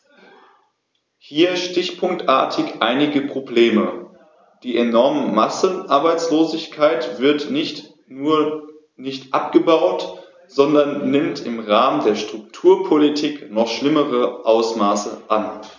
Hier stichpunktartig einige Probleme: Die enorme Massenarbeitslosigkeit wird nicht nur nicht abgebaut, sondern nimmt im Rahmen der Strukturpolitik noch schlimmere Ausmaße an.